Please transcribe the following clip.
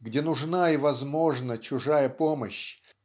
где нужна и возможна чужая помощь